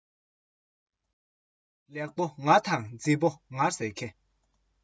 ཞིམ པོ ང དང འཇམ པོ ང ཟེར གྱི